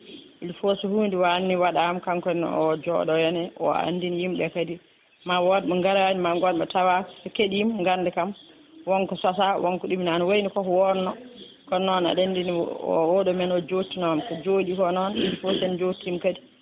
il faut so hunde wadeni waɗama kankone o jooɗo henne o andina yimɓeɓe kadi ma wood ɓe gaarani ma wood ɓe tawaka so keeɗima ganda kam wonko sosa wonko ɗumina wayno koko wonno kono noon aɗa andi no o oɗo men o jottino ko jooɗiko noon wonti en jottima kadi